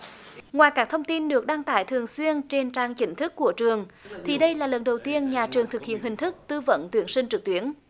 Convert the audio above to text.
ngoài các thông tin được đăng tải thường xuyên trên trang chính thức của trường thì đây là lần đầu tiên nhà trường thực hiện hình thức tư vấn tuyển sinh trực tuyến